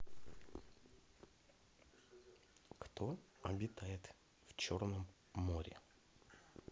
кто обитает в черном море